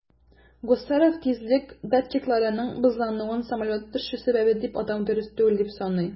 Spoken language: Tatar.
Гусаров тизлек датчикларының бозлануын самолет төшү сәбәбе дип атау дөрес түгел дип саный.